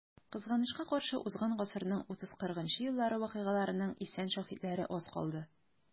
Кызганычка каршы, узган гасырның 30-40 еллары вакыйгаларының исән шаһитлары аз калды.